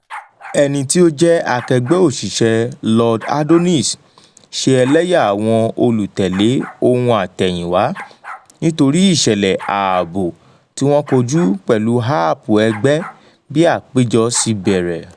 Ẹni tó jẹ́ akẹgbé òṣìṣẹ́ Lord Adonis ṣe ẹlẹ́yà àwọn olùtẹ̀lé ohun àtẹ̀hìnwá nítorí ìṣẹ̀lẹ̀ ààbò tí wọ́n kojú pẹ̀lú áàpù ẹgbẹ́ bí àpéjọ ṣí bẹ̀rẹ̀.